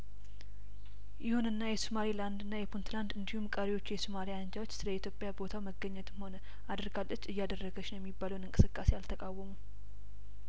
ይሁንና የሶማሌ ላንድና የፑንትላንድ እንዲሁም ቀሪዎቹ የሶማሊያ አንጃዎች ስለኢትዮጵያ በቦታው መገኘትም ሆነ አድርጋለች እያደረገች ነው የሚባለውን እንቅስቃሴ አልተቃወሙም